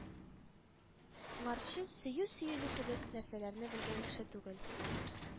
Ңарчы сөю-сөелү кебек нәрсәләрне белгән кеше түгел